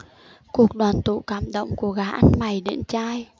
cuộc đoàn tụ cảm động của gã ăn mày điển trai